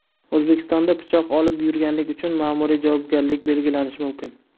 o'zbekistonda pichoq olib yurganlik uchun ma'muriy javobgarlik belgilanishi mumkin